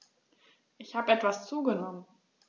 Ich habe etwas zugenommen